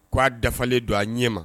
K'a dafalen don a ɲɛ ma